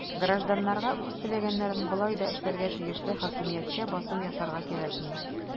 Гражданнарга үз теләгәннәрен болай да эшләргә тиешле хакимияткә басым ясарга кирәкми.